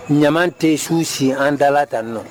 Ɲama tɛ su si an da la ka nɔ